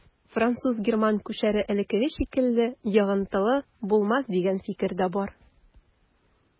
Француз-герман күчәре элеккеге шикелле йогынтылы булмас дигән фикер дә бар.